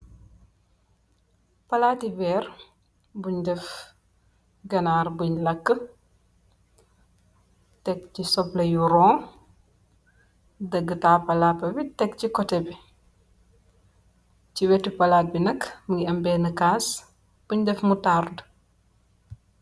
Palati wèèr buñ dèf ganarr buñ làk, tèg ci supleh yu roñ, daga tapalapa bi tèg ci koteh bi. Ci weti palat bi nak mugii am benna kas bu dèf mutard.